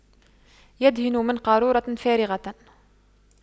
يدهن من قارورة فارغة